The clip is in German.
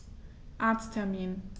Arzttermin